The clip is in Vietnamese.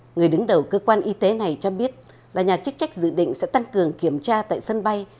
người đứng đầu cơ quan y tế này cho biết là nhà chức trách dự định sẽ tăng cường kiểm tra tại sân bay